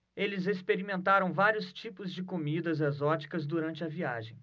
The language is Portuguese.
eles experimentaram vários tipos de comidas exóticas durante a viagem